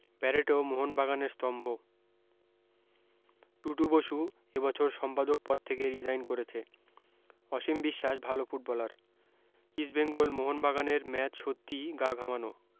Barreto মোহন বাগানের স্তম্ভ টুটু বসু এবছর সম্পাদক পদ থেকে রিজাইন করেছে অসীম বিশ্বাস ভালো ফুটবলার ইস্ট বেঙ্গল মোহন বাগানের ম্যাচ সত্যি গাঘামানো